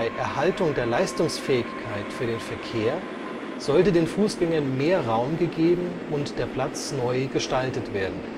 Erhaltung der Leistungsfähigkeit für den Verkehr sollte den Fußgängern mehr Raum gegeben und der Platz neu gestaltet werden